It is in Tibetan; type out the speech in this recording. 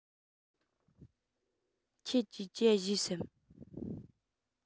ཁྱེད ཀྱིས ཇ བཞེས སམ